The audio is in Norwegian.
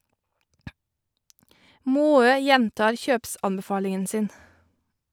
Maaø gjentar kjøpsanbefalingen sin.